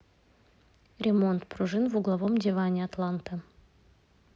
ремонт пружин в угловом диване атланта